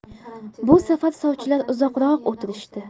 bu safar sovchilar uzoqroq o'tirishdi